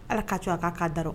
Ala ka to a k'a kaa da rɔ